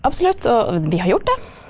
absolutt og vi har gjort det.